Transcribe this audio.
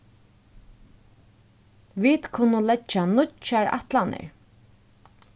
vit kunnu leggja nýggjar ætlanir